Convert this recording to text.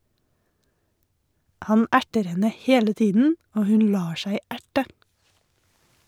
Han erter henne hele tiden og hun lar seg erte.